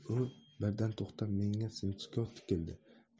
u birdan to'xtab menga sinchkov tikildi